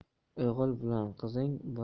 o'g'il bilan qizing